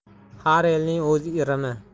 har elning o'z irimi